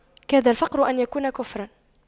كاد الفقر أن يكون كفراً